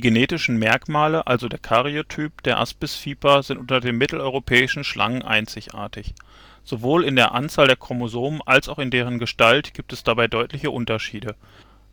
genetischen Merkmale, also der Karyotyp, der Aspisviper sind unter den mitteleuropäischen Schlangen einzigartig. Sowohl in der Anzahl der Chromosomen als auch in deren Gestalt gibt es dabei deutliche Unterschiede.